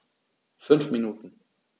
5 Minuten